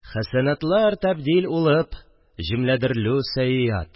Хәсәнәтләр табдил улып Җөмләдерлү сәяәт